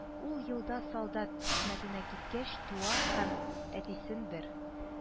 Ул елда солдат хезмәтенә киткәч туа һәм, әтисен бер